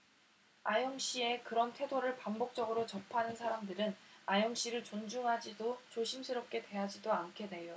아영씨의 그런 태도를 반복적으로 접하는 사람들은 아영씨를 존중하지도 조심스럽게 대하지도 않게 돼요